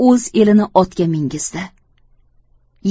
o'z elini otga mingizdi